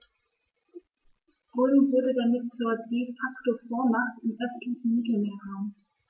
Rom wurde damit zur ‚De-Facto-Vormacht‘ im östlichen Mittelmeerraum.